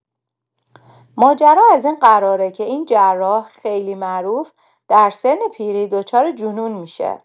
ماجرا ازین قراره که این جراح خیلی معروف در سن پیری دچار جنون می‌شه.